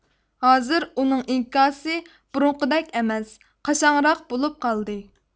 ھازىر ئۇنىڭ ئىنكاسى بۇرۇنقىدەك ئەمەس قاشاڭراق بولۇپ قالدى